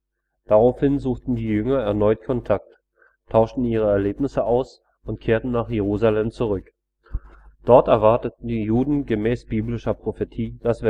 Daraufhin suchten die Jünger erneut Kontakt, tauschten ihre Erlebnisse aus und kehrten nach Jerusalem zurück: Dort erwarteten Juden gemäß biblischer Prophetie das